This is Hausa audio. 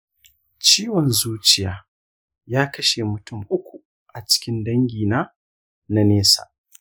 ciwon zuciya ya kashe mutum uku a cikin dangi na na nesa